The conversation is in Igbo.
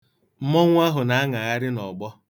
Mmọnwụ ahụ na-aṅagharị n'ọgbọ.